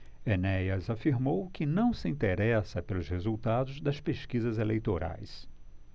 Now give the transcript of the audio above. enéas afirmou que não se interessa pelos resultados das pesquisas eleitorais